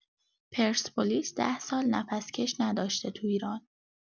پرسپولیس ۱۰ سال نفس کش نداشته تو ایران.